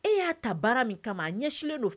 E y'a ta baara min kama a ɲɛsinlen don